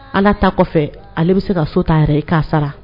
Ala ta kɔfɛ ale bɛ se ka so ta yɛrɛ i k'a sara